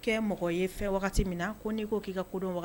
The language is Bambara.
Kɛ Mɔgɔ ye fɛ waati min na, ko n'e ko k'i ka ko dɔn waati